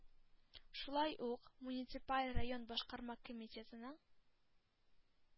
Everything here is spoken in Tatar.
Шулай ук, муниципаль район башкарма комитетының